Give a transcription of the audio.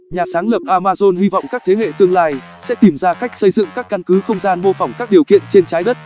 nhà sáng lập amazon hy vọng các thế hệ tương lai sẽ tìm ra cách xây dựng các căn cứ không gian mô phỏng các điều kiện trên trái đất